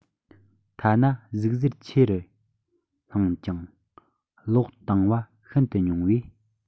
ཐ ན ཟུག གཟེར ཆེ རུ བསླངས ཀྱང གློག བཏང བ ཤིན ཏུ ཉུང བས